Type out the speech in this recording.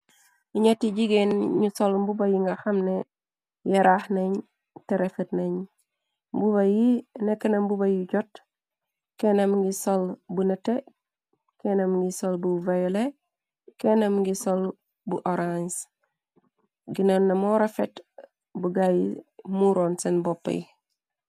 Nñeti jigéen ñu sol mbuba yi nga xamne yaraax nañ, te refet nañ. Mbuba yi nekk na mbuba yi jot. Kenna mungi sol bu nete, kenna mungi sol bu vayolet, kenna mungi sol bu orange. Genona moyrafet bu gaayi muuroon seen bopp yi.